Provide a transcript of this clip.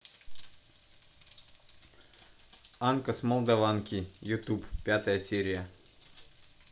анка с молдаванки ютуб пятая серия